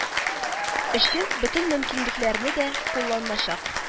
Өчен бөтен мөмкинлекләрне дә кулланачак